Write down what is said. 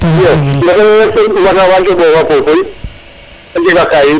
*